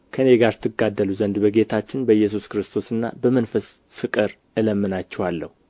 ከእኔ ጋር ትጋደሉ ዘንድ በጌታችን በኢየሱስ ክርስቶስና በመንፈስ ፍቅር እለምናችኋለሁ